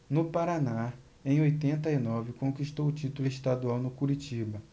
no paraná em oitenta e nove conquistou o título estadual no curitiba